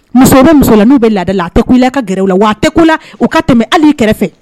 Muso bɛ musola n'u bɛ laada la a tɛ ko i la i ka gɛrɛ u la wa a tɛ ku i la u ka tɛmɛ hali kɛrɛfɛ